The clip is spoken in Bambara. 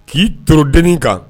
K'i ton denin kan